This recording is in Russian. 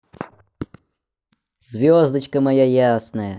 звездочка моя ясная